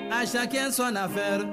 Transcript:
A chacun son affaire